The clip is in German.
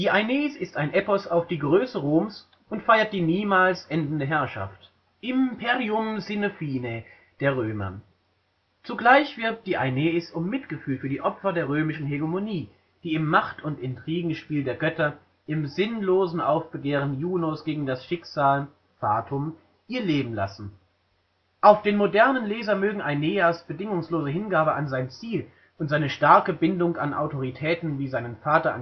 Aeneis ist ein Epos auf die Größe Roms und feiert die niemals endende Herrschaft (imperium sine fine) der Römer. Zugleich wirbt die Aeneis um Mitgefühl für die Opfer der römischen Hegemonie, die im Macht - und Intrigenspiel der Götter, im sinnlosen Aufbegehren Junos gegen das Schicksal (fatum) ihr Leben lassen. Auf den modernen Leser mögen Aeneas’ bedingungslose Hingabe an sein Ziel und seine starke Bindung an Autoritäten wie seinen Vater Anchises